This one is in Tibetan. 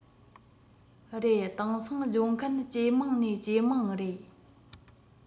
རེད དེང སང སྦྱོང མཁན ཇེ མང ནས ཇེ མང རེད